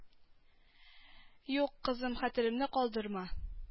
Юк кызым хәтеремне калдырма